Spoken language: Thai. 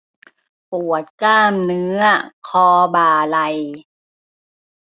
ปวดกล้ามเนื้อคอบ่าไหล่